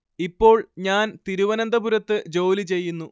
ഇപ്പോൾ ഞാൻ തിരുവനന്തപുരത്ത് ജോലി ചെയ്യുന്നു